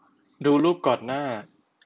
ดูรูปก่อนหน้า